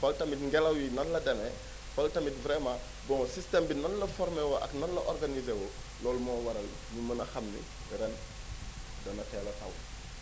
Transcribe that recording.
xool tamit ngelaw yi nan la demee xool tamit vraiment bon système bi nan la formé woo ak nan la organisé woo loolu moo waral ñu mën a xam ni ren dana teel a taw